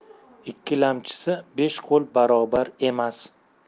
ikkilamchisi besh qo'l barobar emas